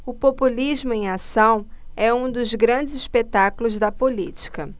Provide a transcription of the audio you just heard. o populismo em ação é um dos grandes espetáculos da política